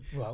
waaw